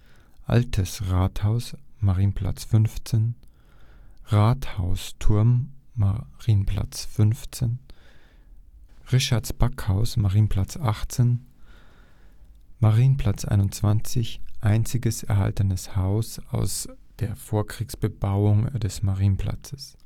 Altes Rathaus (Marienplatz 15) (Jörg von Halsbach, 1470 – 80, 1952 – 1957, 1971 – 1977). Rathausturm (Marienplatz 15) (Erwin Schleich, 1971 – 1974) Rischarts Backhaus (Marienplatz 18) (Uwe Kiessler, 1979 – 82) Marienplatz 21, einziges erhaltenes Haus aus der Vorkriegsbebauung des Marienplatzes